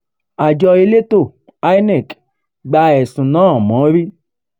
Àjọ Elétò (INEC) gba ẹ̀sùn náà mọ́ra.